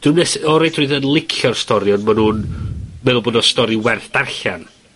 dw'm nes o reidrwydd yn licio'r stori on' ma' nw'n meddwl bo' 'na stori werth darllian.